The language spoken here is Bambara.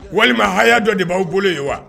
Walima haya dɔ de b'aw bolo yen wa